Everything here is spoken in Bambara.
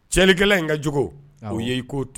Cɛlikɛla in ka jo o y ye ii koo to